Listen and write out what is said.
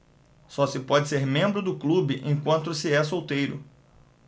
só se pode ser membro do clube enquanto se é solteiro